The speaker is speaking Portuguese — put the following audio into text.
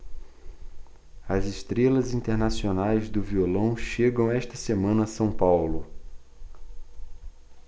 as estrelas internacionais do violão chegam esta semana a são paulo